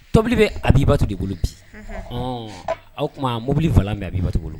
Tobili bɛ a bba to de bolo bi h o tuma mobili fila bɛ a bba to bolo